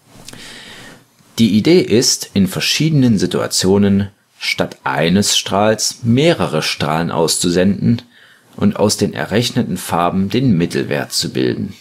Die Idee ist, in verschiedenen Situationen statt eines Strahls mehrere Strahlen auszusenden und aus den errechneten Farben den Mittelwert zu bilden